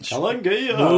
Calan gaea!